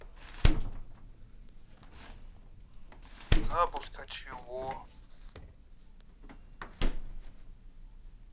запуска чего